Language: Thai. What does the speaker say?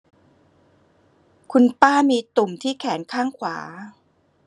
คุณป้ามีตุ่มที่แขนข้างขวา